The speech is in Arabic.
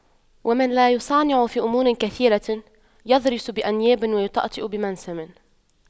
ومن لا يصانع في أمور كثيرة يضرس بأنياب ويوطأ بمنسم